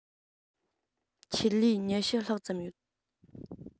ཆེད ལས ཉི ཤུ ལྷག ཙམ ཡོད